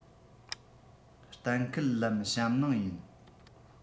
གཏན འཁེལ ལམ གཤམ ནང ཡིན